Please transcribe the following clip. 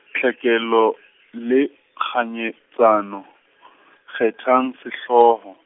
tlhekelo le kganyetsano , kgethang sehlooho.